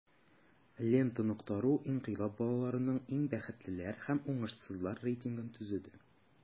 "лента.ру" инкыйлаб балаларының иң бәхетлеләр һәм уңышсызлар рейтингын төзеде.